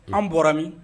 An bɔra min